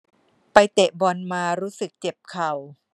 ไปเตะบอลมารู้สึกเจ็บเข่า